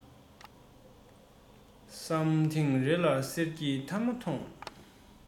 བསམ ཐེངས རེ ལ གསེར གྱི ཐང མ མཐོང